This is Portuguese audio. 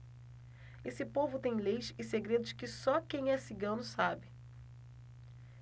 esse povo tem leis e segredos que só quem é cigano sabe